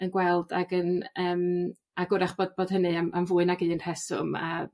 yn gweld ag yn yym ag 'w'rach bod bod hynny am am fwy nag un rheswm a